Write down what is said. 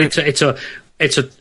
...eto eto eto